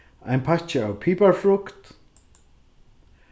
ein pakki av piparfrukt